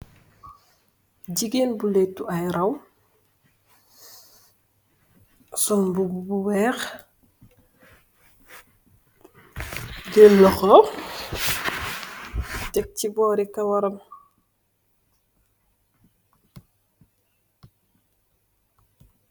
Jigéen bu lëëtu ay raw, sol mbubu bu weex. Jal loxoo tek ko si boor i, kawaram.